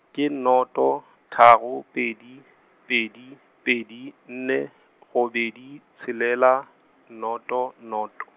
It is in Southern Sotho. ke noto tharo pedi, pedi, pedi, nne robedi tshelela noto noto.